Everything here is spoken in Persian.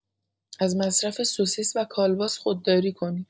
از مصرف سوسیس و کالباس خودداری کنید.